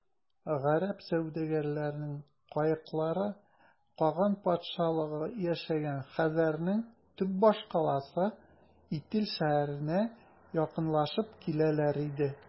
Гарәп сәүдәгәренең каеклары каган патшалыгы яшәгән хәзәрнең төп башкаласы Итил шәһәренә якынлашып киләләр иде.